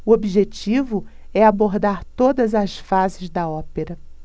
o objetivo é abordar todas as fases da ópera